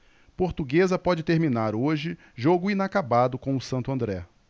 portuguesa pode terminar hoje jogo inacabado com o santo andré